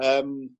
Yym